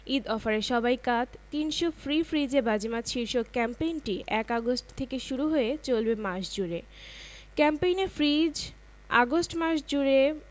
ঈদ অফারে সবাই কাত ৩০০ ফ্রি ফ্রিজে বাজিমাত শীর্ষক ক্যাম্পেইনটি ১ আগস্ট থেকে শুরু হয়ে চলবে মাস জুড়ে ক্যাম্পেইনে ফ্রিজআগস্ট মাস জুড়ে